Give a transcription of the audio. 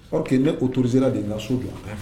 Ɔ que ne otourusi sera de na so don